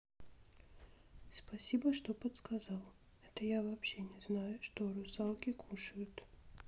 спасибо что подсказал это я вообще не знаю что русалки кушают